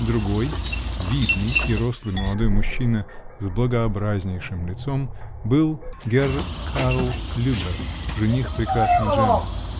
другой, видный и рослый молодой мужчина с благообразнейшим лицом, был герр Карл Клюбер, жених прекрасной Джеммы.